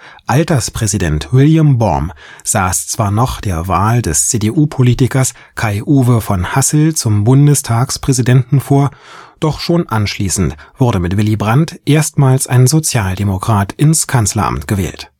Alterspräsident William Borm saß zwar noch der Wahl des CDU-Politikers Kai-Uwe von Hassel zum Bundestagspräsidenten vor, doch schon anschließend wurde mit Willy Brandt erstmals ein Sozialdemokrat ins Kanzleramt gewählt